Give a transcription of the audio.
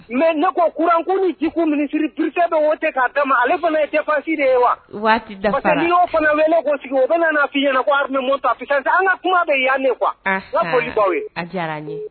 Mɛ ne ko kuran jiko minisirikisɛ o tɛ k'a da ma ale fana yefasi de ye wa fana ne o bɛna fɔ i ɲɛna an ka kuma bɛ yan ne